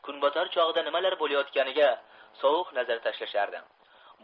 kunbotar chog'ida nimalar bo'layotganiga sovuq nazar tashlashardi